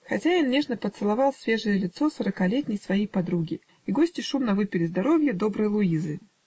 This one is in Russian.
Хозяин нежно поцеловал свежее лицо сорокалетней своей подруги, и гости шумно выпили здоровье доброй Луизы.